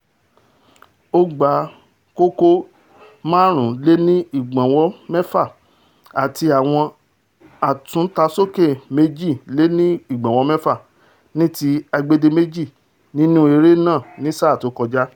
Ó gba kókó 5.6 àti àwọn àtúntasókè 2.6 níti agbedeméji nínú eré ní sáà tó kọjá.